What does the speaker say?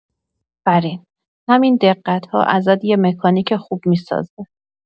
آفرین، همین دقت‌ها ازت یه مکانیک خوب می‌سازه.